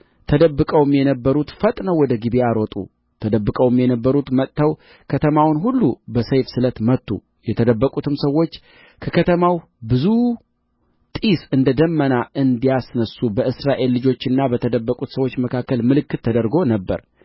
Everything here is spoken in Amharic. ተደብቀውም የነበሩት ፈጥነው ወደ ጊብዓ ሮጡ ተደብቀውም የነበሩት መጥተው ከተማውን ሁሉ በሰይፍ ስለት መቱ የተደበቁትም ሰዎች ከከተማው ብዙ ጢስ እንደ ደመና እንዲያስነሡ በእስራኤል ልጆችና በተደበቁት ሰዎች መካከል ምልክት ተደርጎ ነበር